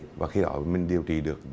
và khi ở mình điều trị được